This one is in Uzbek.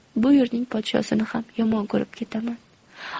bu yurtning podshosini ham yomon ko'rib ketaman